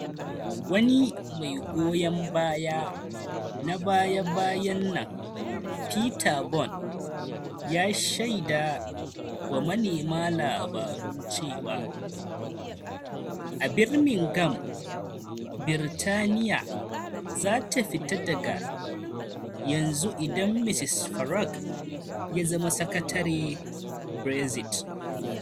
Wani mai goyon baya na baya-bayan nan, Peter Bone, ya shaida wa manema labaru a Birmingham cewa Birtaniya za ta fita daga yanzu idan Mr Farage ya zama Sakatare Brexit.